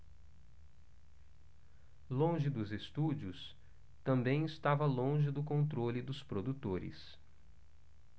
longe dos estúdios também estava longe do controle dos produtores